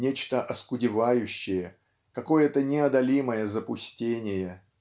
нечто оскудевающее, какое-то неодолимое запустение.